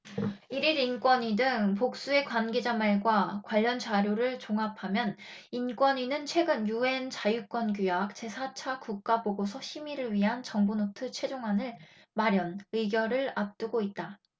일 일 인권위 등 복수의 관계자 말과 관련 자료를 종합하면 인권위는 최근 유엔 자유권규약 제 사 차 국가보고서 심의를 위한 정보노트 최종안을 마련 의결을 앞두고 있다